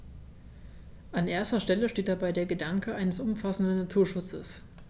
An erster Stelle steht dabei der Gedanke eines umfassenden Naturschutzes.